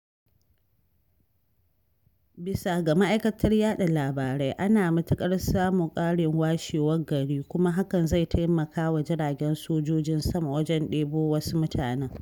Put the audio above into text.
Bisa ga ma'aikatar yaɗa labarai, ana matuƙar samu ƙarin washewar gari kuma hakan zai taimaka wa jiragen sojojin sama wajen ɗebo wasu mutanen.